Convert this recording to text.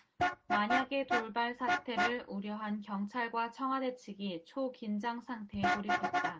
만약의 돌발 사태를 우려한 경찰과 청와대 측이 초긴장상태에 돌입했다